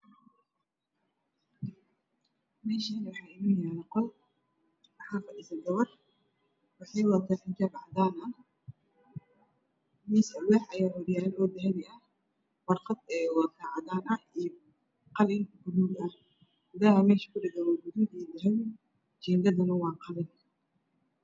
Meshani waa qol waxaa fadhisa gabar wadata xijab cadan ah mis alwaxa ayaa hor yala oo dahabi ah waraq cadana ayeey wadata daha mesha ku xira waa gaduud iyo dahabi gurigana waa jingad qalin ah